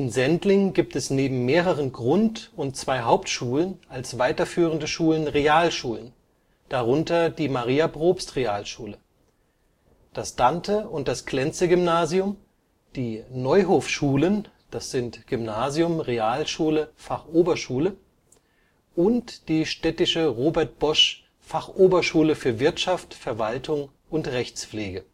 Sendling gibt es neben mehreren Grund - und zwei Hauptschulen als weiterführende Schulen Realschulen (darunter die Maria-Probst-Realschule), das Dante - und das Klenze-Gymnasium, die Neuhof-Schulen (Gymnasium, Realschule, Fachoberschule) und die Städtische Robert-Bosch-Fachoberschule für Wirtschaft, Verwaltung und Rechtspflege